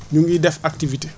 ñu ngi def acitivité